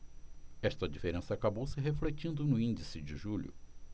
esta diferença acabou se refletindo no índice de julho